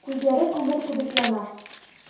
Күзләре күмер кебек яна.